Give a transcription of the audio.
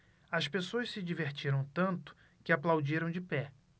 as pessoas se divertiram tanto que aplaudiram de pé